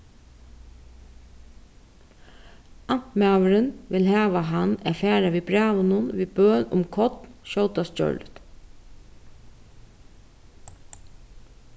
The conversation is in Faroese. amtmaðurin vil hava hann at fara við brævinum við bøn um korn skjótast gjørligt